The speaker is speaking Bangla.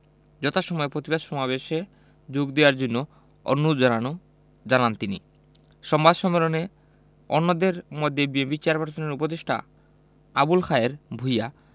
যথাসময়ে প্রতিবাদ সমাবেশে যোগ দেয়ার জন্য অনুরোধ জানানো জানান তিনি সংবাদ সম্মেলনে অন্যদের মধ্যে বিএনপি চেয়ারপারসনের উপদেষ্টা আবুল খায়ের ভূইয়া